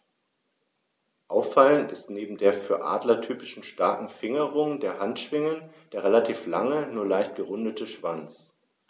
Auffallend ist neben der für Adler typischen starken Fingerung der Handschwingen der relativ lange, nur leicht gerundete Schwanz.